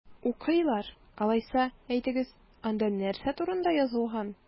Укыйлар! Алайса, әйтегез, анда нәрсә турында язылган?